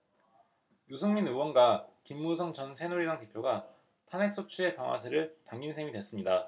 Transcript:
유승민 의원과 김무성 전 새누리당 대표가 탄핵소추의 방아쇠를 당긴 셈이 됐습니다